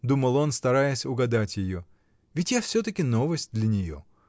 — думал он, стараясь угадать ее, — ведь я все-таки новость для нее.